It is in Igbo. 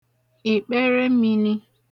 ìkpere mīnī